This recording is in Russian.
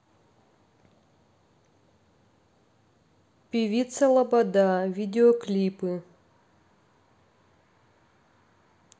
певица лобода видеоклипы